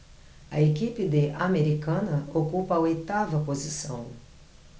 a equipe de americana ocupa a oitava posição